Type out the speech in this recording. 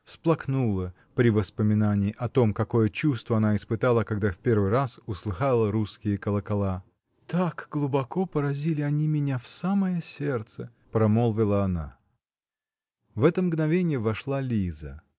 всплакнула при воспоминании о том, какое чувство она испытала, когда в первый раз услыхала русские колокола: "Так глубоко поразили они меня в самое сердце", -- промолвила она. В это мгновенье вошла Лиза.